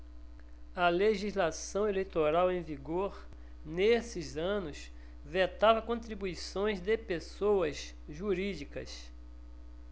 a legislação eleitoral em vigor nesses anos vetava contribuições de pessoas jurídicas